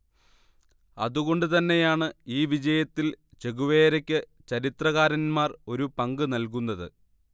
അതുകൊണ്ടുതന്നെയാണ് ഈ വിജയത്തിൽ ചെഗുവേരയ്ക്ക് ചരിത്രകാരന്മാർ ഒരു പങ്ക് നല്കുന്നത്